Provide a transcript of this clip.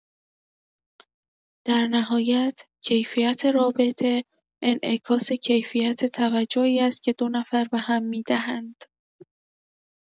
در نهایت، کیفیت رابطه انعکاس کیفیت توجهی است که دو نفر به هم می‌دهند.